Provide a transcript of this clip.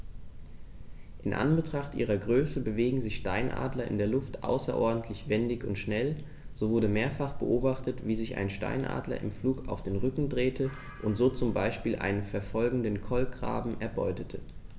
In Anbetracht ihrer Größe bewegen sich Steinadler in der Luft außerordentlich wendig und schnell, so wurde mehrfach beobachtet, wie sich ein Steinadler im Flug auf den Rücken drehte und so zum Beispiel einen verfolgenden Kolkraben erbeutete.